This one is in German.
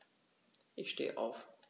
Ich stehe auf.